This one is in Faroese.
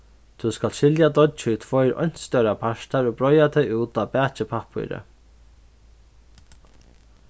tú skalt skilja deiggið í tveir eins stórar partar og breiða tað út á bakipappírið